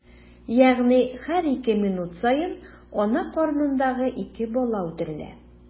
Ягъни һәр ике минут саен ана карынындагы ике бала үтерелә.